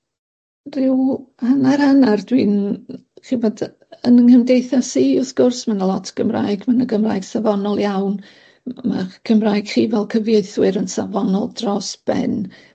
ryw hannar hannar dwi'n n- chi'n gwbod yn yng nghymdeithas i wrth gwrs ma' 'na lot Gymraeg, ma' 'na Gymraeg safonol iawn m- ma'ch Cymraeg chi fel cyfieithwyr yn safonol dros ben.